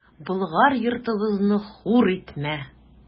Болгар йортыбызны хур итмә!